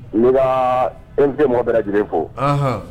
N b'i ka invités mɔgɔ bɛɛ lajɛlen fo. Ɔnhɔn